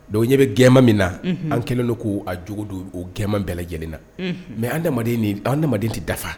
Dɔnku ɲɛ bɛ gɛnman min na an kɛlen don k'o a cogo don o gɛnman bɛɛ lajɛlen na mɛ an adama adamadamaden tɛ dafa